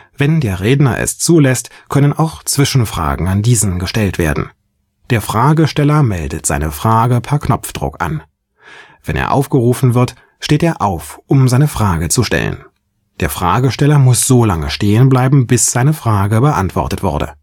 Wenn der Redner es zulässt, können auch Zwischenfragen an diesen gestellt werden. Der Fragesteller meldet seine Frage per Knopfdruck an. Wenn er aufgerufen wird, steht er auf, um seine Frage zu stellen. Der Fragesteller muss so lange stehenbleiben, bis seine Frage beantwortet wurde